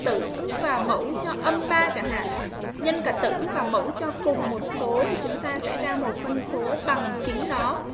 tử và mẫu cho chẳng hạn nhân cả tử và mẫu cho cùng một số chúng ta sẽ ra một phân số bằng chính nó